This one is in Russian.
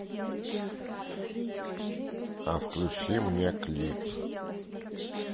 а включи мне клип